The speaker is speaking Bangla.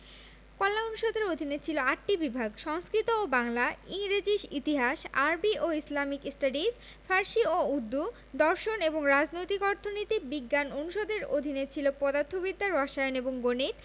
কলা অনুষদের অধীনে ছিল ৮টি বিভাগ সংস্কৃত ও বাংলা ইংরেজি ইতিহাস আরবি ও ইসলামিক স্টাডিজ ফার্সি ও উর্দু দর্শন এবং রাজনৈতিক অর্থনীতি বিজ্ঞান অনুষদের অধীনে ছিল পদার্থবিদ্যা রসায়ন এবং গণিত